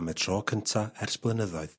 am y tro cynta ers blynyddoedd.